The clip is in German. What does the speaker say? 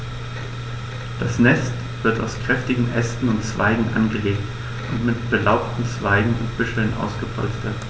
Das Nest wird aus kräftigen Ästen und Zweigen angelegt und mit belaubten Zweigen und Büscheln ausgepolstert.